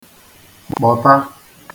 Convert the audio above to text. -kpọ̀ta